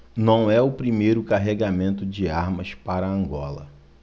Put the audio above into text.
não é o primeiro carregamento de armas para angola